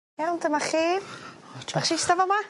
Iawn dyma chi. O diolch. Jyst ista fa 'ma.